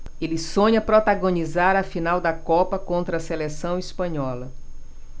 ele sonha protagonizar a final da copa contra a seleção espanhola